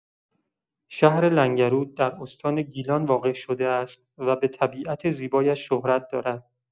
شهر لنگرود در استان گیلان واقع شده است و به طبیعت زیبایش شهرت دارد.